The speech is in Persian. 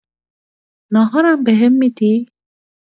ناهارم بهم می‌دی؟